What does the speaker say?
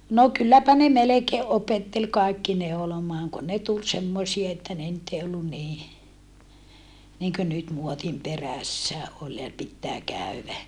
no kylläpä ne melkein opetteli kaikki neulomaan kun ne tuli semmoisia että ne nyt ei ollut niin niin kuin nyt muodin perässä oli ja pitää käydä